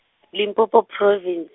Limpopo Province.